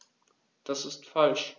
Das ist falsch.